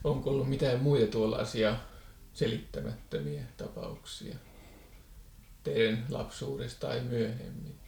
onko ollut mitään muita tuollaisia selittämättömiä tapauksia teidän lapsuudessa tai myöhemmin